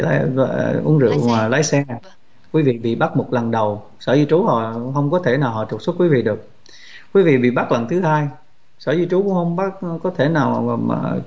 uống rượu mà lái xe quý vị bị bắt một lần đầu sở di trú họ không có thể là họ trục xuất quý vị được quý vị bị bắt lần thứ hai sở di trú của ông bắc có thể nào mà mà